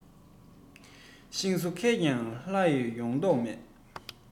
ཤིང བཟོ མཁས ཀྱང ལྷ བྲིས ཡོང མདོག མེད